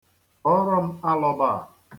Kpọọrọ m alọba a.